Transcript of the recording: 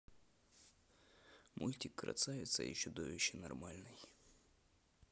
мультик красавица и чудовище нормальный